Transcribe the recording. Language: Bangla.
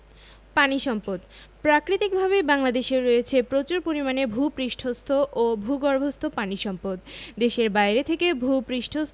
পানি সম্পদঃ প্রাকৃতিকভাবেই বাংলাদেশের রয়েছে প্রচুর পরিমাণে ভূ পৃষ্ঠস্থ ও ভূগর্ভস্থ পানি সম্পদ দেশের বাইরে থেকে ভূ পৃষ্ঠস্থ